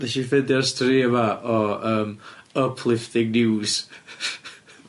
Nes i ffeindio'r stream 'ma o yym uplifting news.